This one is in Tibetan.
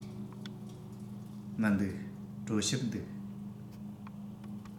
མི འདུག གྲོ ཞིབ འདུག